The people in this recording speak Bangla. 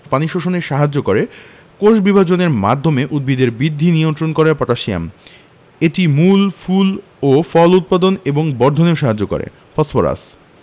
পানি শোষণে সাহায্য করে কোষবিভাজনের মাধ্যমে উদ্ভিদের বৃদ্ধি নিয়ন্ত্রণ করে পটাশিয়াম এটি মূল ফুল ও ফল উৎপাদন এবং বর্ধনেও সাহায্য করে ফসফরাস